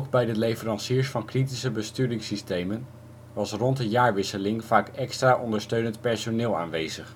bij de leveranciers van kritische besturingssystemen was rond de jaarwisseling vaak extra ondersteunend personeel aanwezig